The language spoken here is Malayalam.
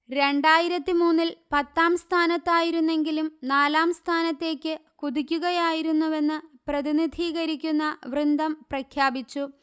രണ്ടായിരത്തിമൂന്നിൽ പത്താം സ്ഥാനത്തായിരുന്നെങ്കിലും നാലാം സ്ഥാനത്തേക്ക് കുതിക്കുകയായിരുന്നുവെന്ന് പ്രതിനിധീകരിക്കുന്ന വൃന്ദം പ്രഖ്യാപിച്ചു